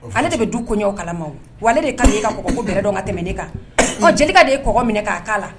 Ale de bɛ du kɔɲɔw kalama wa ale de ka ka mɔgɔko bɛ dɔn ka tɛmɛ ne kan jelikɛ de yeɔgɔ minɛ k'a kan la